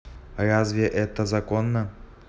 разве это законно